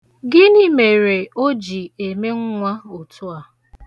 Gịnị mere o ji eme nnwa otu a?